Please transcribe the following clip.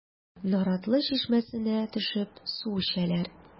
Наратлы чишмәсенә төшеп су эчәләр.